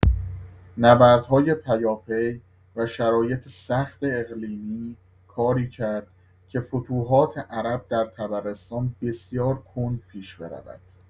نبردهای پیاپی و شرایط سخت اقلیمی کاری کرد که فتوحات عرب در طبرستان بسیار کند پیش برود.